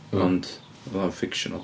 Ond oedd hwnna'n fictional.